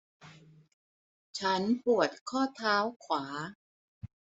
ฉันปวดข้อเท้าขวา